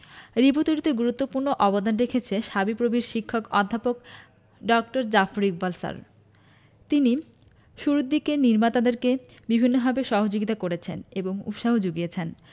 রিবো তৈরিতে গুরুত্বপূর্ণ অবদান রেখেছে শাবিপ্রবির শিক্ষক অধ্যাপক ড জাফর ইকবাল স্যার তিনি শুরুর দিকে নির্মাতাদেরকে বিভিন্নভাবে সহযোগিতা করেছেন এবং উৎসাহ যুগিয়েছেন